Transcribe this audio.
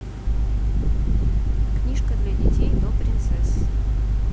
книжка для детей до princess